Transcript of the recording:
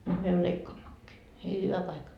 nyt me leikkaammekin niin hyvä paikka